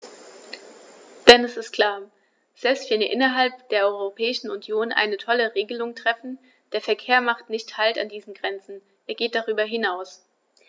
Denn es ist klar: Selbst wenn wir innerhalb der Europäischen Union eine tolle Regelung treffen, der Verkehr macht nicht Halt an diesen Grenzen, er geht darüber hinaus.